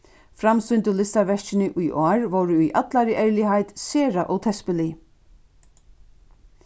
framsýndu listaverkini í ár vóru í allari ærligheit sera ótespilig